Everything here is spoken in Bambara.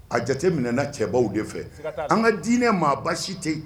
A jate minɛɛna cɛbabaw de fɛ an ka diinɛ maa baasi tɛ